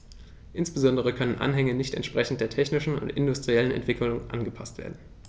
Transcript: Insbesondere können Anhänge nicht entsprechend der technischen und industriellen Entwicklung angepaßt werden.